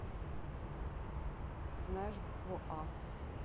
а ты знаешь букву а